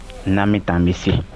N'an bɛ taa, an bɛ se.